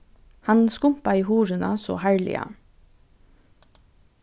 hann skumpaði hurðina so harðliga